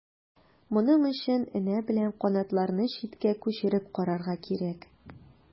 Моның өчен энә белән канатларны читкә күчереп карарга кирәк.